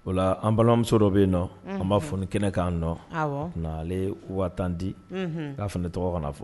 Wala an balimamuso dɔ bɛ yen nɔ an b'a fɔ ni kɛnɛkanan nɔ naale waati tan di k'a fana ne tɔgɔ kana na fɔ